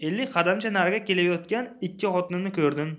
ellik qadamcha narida kelayotgan ikki xotinni ko'rdim